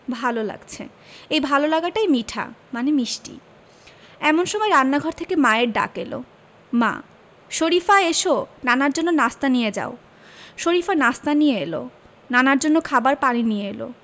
ভালো লাগছে এই ভালো লাগাটাই মিঠা মানে মিষ্টি এমন সময় রান্নাঘর থেকে মায়ের ডাক এলো মা শরিফা এসো নানার জন্য নাশতা নিয়ে যাও শরিফা নাশতা নিয়ে এলো